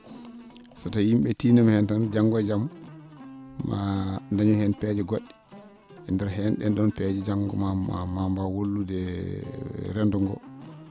so tawii yim?e tiinniima heen tan jango e jam maa dañoy heen peeje go??e e ndeer heen ?en ?oon peeje jango ma ma ma mbaaw wallude renndo ngoo